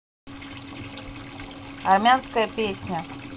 армянская песня